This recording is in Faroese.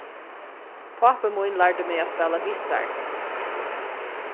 pápi mín lærdi meg at spæla gittar